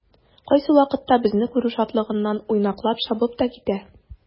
Кайсы вакытта безне күрү шатлыгыннан уйнаклап чабып та китә.